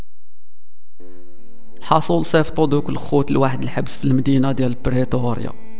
حصل سيفقدك الخوت لواحد الحبس في المدينه لبريطانيا